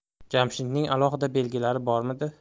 jamshidning alohida belgilari bormidi